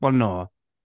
Well, no.